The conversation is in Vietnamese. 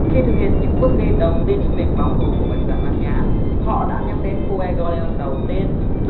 khi thực hiện những bước đi đầu tiên trong việc báo thù của bạch dạ ma nhãn họ đã nhắm đến fuegoleon đầu tiên